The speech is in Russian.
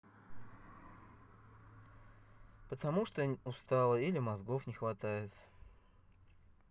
потому что устала или мозгов не хватает